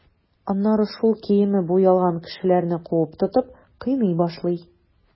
Аннары шул киеме буялган кешеләрне куып тотып, кыйный башлый.